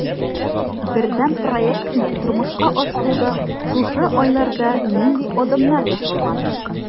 Бердәм проектны тормышка ашыруда шушы айларда нинди адымнар ясалган?